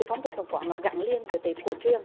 phong tục tập quán nó gắn liền với tết cổ truyền